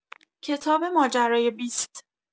کتاب ماجرای بیست